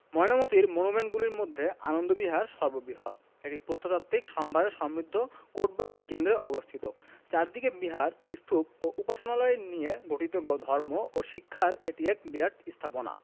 ময়নামতীর মনুমেন্টগুলির মধ্যে আনন্দবিহার সর্ববৃহৎ এটি প্রত্নতাত্ত্বিক সম্ভারে সমৃদ্ধ কোটবাড়ির কেন্দ্রে অবস্থিত চারদিকে বিহার স্তূপ ও উপাসনালয় নিয়ে গঠিত ধর্ম ও শিক্ষার এটি একটি বিরাট স্থাপনা